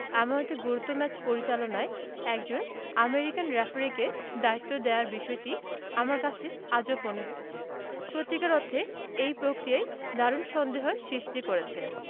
এমন একটি গুরুত্বপূর্ণ ম্যাচ পরিচালনায় একজন আমেরিকান রেফারিকে দায়িত্ব দেয়ার বিষয়টি আমার কাছে আজব মনে হয়েছে সত্যিকার অর্থে এই প্রক্রিয়ায় দারুণ সন্দেহের সৃষ্টি করেছে